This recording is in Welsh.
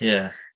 Ie.